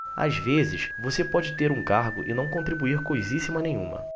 às vezes você pode ter um cargo e não contribuir coisíssima nenhuma